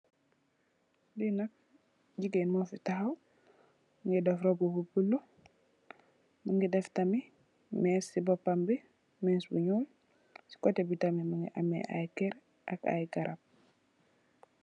Lee nak jegain mufe tahaw muge def roubu bu bulo muge def tamin mess se bopam be mess bu nuul se koteh be tamin muge ameh aye kerr ak aye garab.